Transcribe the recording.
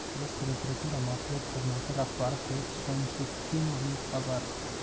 bosh prokuratura matbuot xizmati rahbari hayot shamsutdinovning xabar